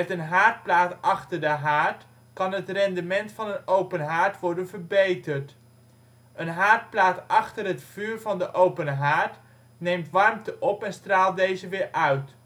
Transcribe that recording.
een haardplaat achter de haard kan het rendement van een open haard worden verbeterd. Een haardplaat achter het vuur van de open haard neemt warmte op en straalt deze weer uit